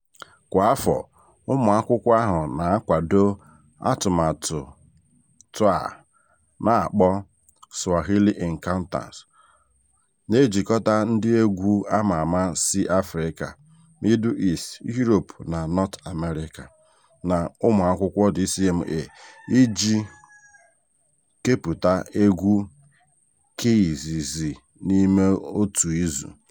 Kwa afọ, ụlọakwụkwọ ahụ na-akwado atụmatụ a na-akpọ "Swahili Encounters", na-ejikọta ndị egwu ama ama si Afịrịka, Middle East, Europe na North Amerika na ụmụakwụkwọ DCMA iji kepụta egwu keizizi n'ime otu izu.